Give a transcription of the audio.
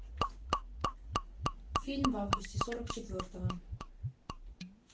фильм в августе сорок четвертого